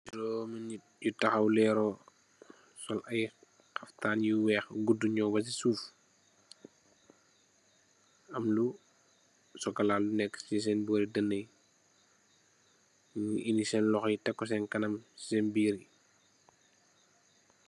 Jurume neet yu tahaw leeru sol aye xaftan yu goudu nyaw base suuf am lu sukola lu neke se sen bore dene ye nu edi sen lohou yee take ku sen kanam sen berr ye.